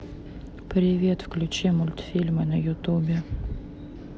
привет включи мультфильмы на ютубе